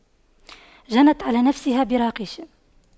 جنت على نفسها براقش